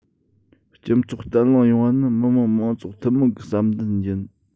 སྤྱི ཚོགས བརྟན ལྷིང ཡོང བ ནི མི དམངས མང ཚོགས ཐུན མོང གི བསམ འདུན ཡིན